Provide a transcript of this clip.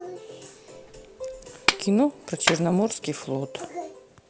кино про черноморский флот